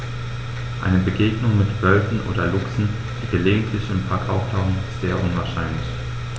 Eine Begegnung mit Wölfen oder Luchsen, die gelegentlich im Park auftauchen, ist eher unwahrscheinlich.